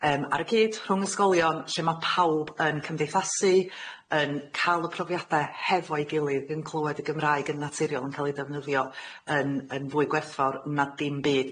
yym ar y cyd rhwng ysgolion lle ma' pawb yn cymdeithasu yn ca'l y profiade hefo'i gilydd yn clywed y Gymraeg yn naturiol yn ca'l ei ddefnyddio yn yn fwy gwerthfawr na dim byd.